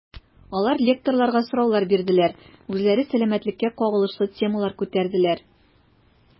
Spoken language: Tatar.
Алар лекторларга сораулар бирделәр, үзләре сәламәтлеккә кагылышлы темалар күтәрделәр.